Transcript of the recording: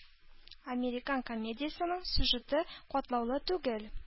«американ» комедиясенең сюжеты катлаулы түгел.